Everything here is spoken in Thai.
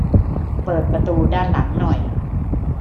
เปิดประตูด้านหลังหน่อย